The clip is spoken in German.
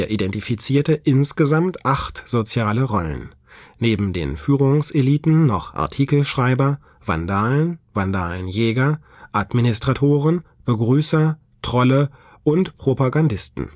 identifizierte insgesamt acht soziale Rollen: neben den Führungseliten noch Artikelschreiber, Vandalen, Vandalenjäger, Administratoren, Begrüßer, Trolle und Propagandisten